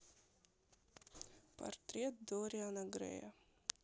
портрет дориана грея